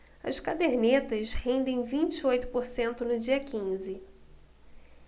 as cadernetas rendem vinte e oito por cento no dia quinze